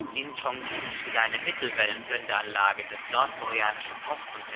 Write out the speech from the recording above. In Ch’ ŏngjin steht eine Mittelwellensendeanlage des nordkoreanischen Post - und